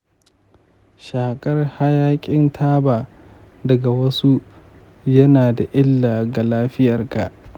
shakar hayakin taba daga wasu yana da illa ga lafiyarka.